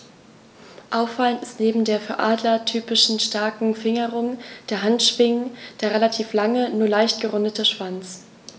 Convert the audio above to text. Auffallend ist neben der für Adler typischen starken Fingerung der Handschwingen der relativ lange, nur leicht gerundete Schwanz.